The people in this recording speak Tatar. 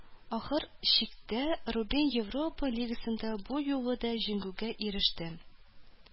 Ахыр чиктә, “Рубин” Европа Лигасында бу юлы да җиңүгә иреште